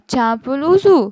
chan pul o'zu